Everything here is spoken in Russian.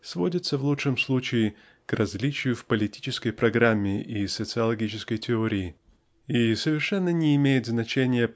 сводится в лучшем случае к различию в политической программе и социологической теории и совершенно не имеет значения .